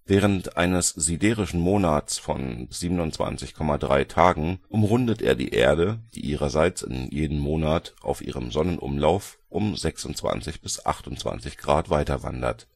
Während eines siderischen Monats von 27,3 Tagen umrundet er die Erde, die ihrerseits in jedem Monat – je nach Jahreszeit – auf ihrem Sonnenumlauf um 26 – 28° weiterwandert